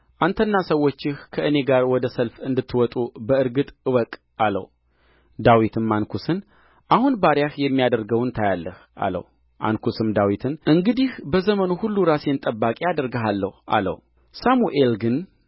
አንተና ሰዎችህ ከእኔ ጋር ወደ ሰልፍ እንድትወጡ በእርግጥ እወቅ አለው ዳዊትም አንኩስን አሁን ባሪያህ የሚያደርገውን ታያለህ አለው አንኩስም ዳዊትን እንግዲህ በዘመኑ ሁሉ ራሴን ጠባቂ አደርግሃለሁ አለው ሳሙኤል ግን